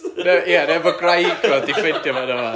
na ia neu efo gwraig fo 'di ffindio fo rwla